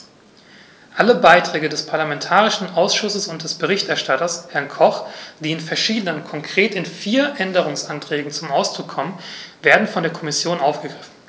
Alle Beiträge des parlamentarischen Ausschusses und des Berichterstatters, Herrn Koch, die in verschiedenen, konkret in vier, Änderungsanträgen zum Ausdruck kommen, werden von der Kommission aufgegriffen.